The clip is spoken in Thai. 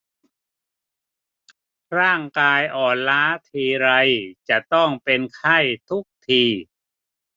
ร่างกายอ่อนล้าทีไรจะต้องเป็นไข้ทุกที